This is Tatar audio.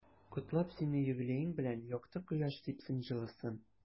Котлап сине юбилеең белән, якты кояш сипсен җылысын.